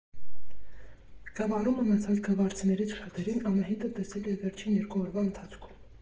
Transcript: Գավառում մնացած գավառցիներից շատերին Անահիտը տեսել էր վերջին երկու օրվա ընթացքում։